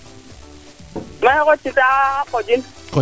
maxey xooytita Khodjil